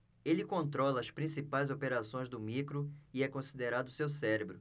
ele controla as principais operações do micro e é considerado seu cérebro